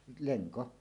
lenko